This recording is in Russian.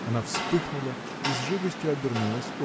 Она вспыхнула и с живостью обернулась